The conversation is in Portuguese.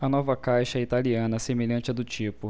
a nova caixa é italiana semelhante à do tipo